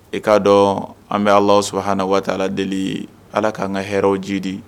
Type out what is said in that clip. I k'a dɔn an bɛ allah subshaanahu wa taala deeli allah k'an ka hɛrɛw ji di.